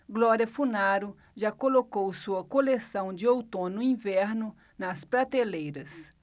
glória funaro já colocou sua coleção de outono-inverno nas prateleiras